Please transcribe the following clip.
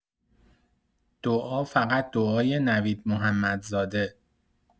دعا فقط دعای نوید محمدزاده